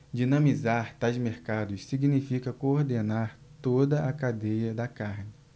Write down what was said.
dinamizar tais mercados significa coordenar toda a cadeia da carne